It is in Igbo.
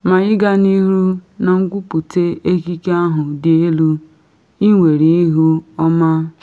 Ma ị gaa n’ihu na nkwupute ekike ahụ dị elu - ị nwere ihu ọma.